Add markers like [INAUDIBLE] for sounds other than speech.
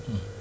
[HESITATION] [HESITATION]